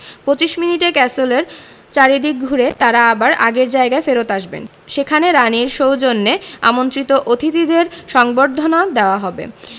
২৫ মিনিটে ক্যাসেলের চারদিক ঘুরে তাঁরা আবার আগের জায়গায় ফেরত আসবেন সেখানে রানির সৌজন্যে আমন্ত্রিত অতিথিদের সংবর্ধনা দেওয়া হবে